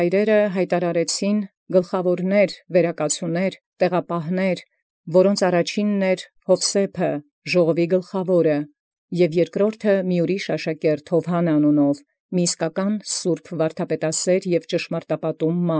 Կորյուն Եւ գլխաւորս, վերակացուս, տեղապահս յայտ արարեալ հարցն կատարելոց, որոց առաջինն Յովսէփ, գլխաւոր ժողովոյն, և երկրորդն այլ աշակերտ՝ Յովհան անուն, այր իսկ սուրբ, վարդապետասէր և ճշմարտապատում։